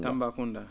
Tambacounda